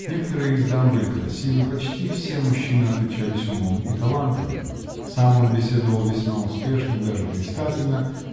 некоторые из дам были красивы, почти все мужчины отличались умом и талантами -- сам он беседовал весьма успешно и даже блистательно.